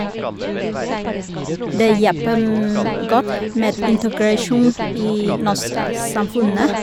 Det hjelper m godt med integrasjon i norske samfunnet.